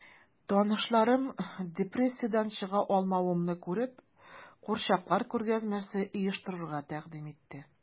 Танышларым, депрессиядән чыга алмавымны күреп, курчаклар күргәзмәсе оештырырга тәкъдим итте...